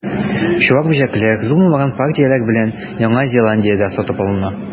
Чуар бөҗәкләр, зур булмаган партияләр белән, Яңа Зеландиядә сатып алына.